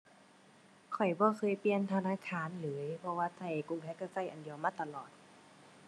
ข้อยบ่เคยเปลี่ยนธนาคารเลย เพราะว่าใช้กรุงไทยใช้ใช้อันเดียวมาตลอด